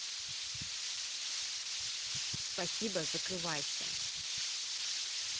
спасибо закрывайся